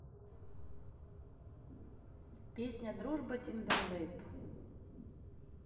песня дружба tenderlybae